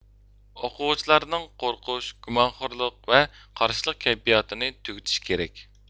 ئوقۇغۇچىلارنىڭ قورقۇش گۇمانخورلۇق ۋە قارشىلىق كەيپىياتىنى تۈگىتىش كېرەك